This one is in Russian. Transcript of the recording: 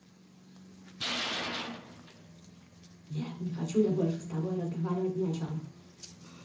нет не хочу я больше с тобой разговаривать не о чем